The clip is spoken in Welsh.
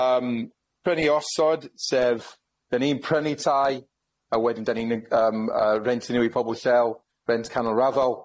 Yym prynu osod sef dyn ni'n prynu tai a wedyn dyn ni'n yy yym yy rentu nyw i pobol lleol rent canol raddol.